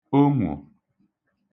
onwò